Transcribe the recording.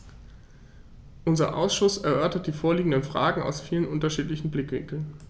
Unser Ausschuss erörtert die vorliegenden Fragen aus vielen unterschiedlichen Blickwinkeln.